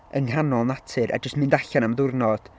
yng nghanol natur a jyst mynd allan am ddiwrnod...